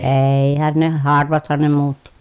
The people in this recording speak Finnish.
eihän ne harvathan ne muutti